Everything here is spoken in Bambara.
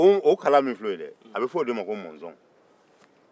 o kala min file o ye dɛ a bɛ fɔ o ma ko mɔzɔn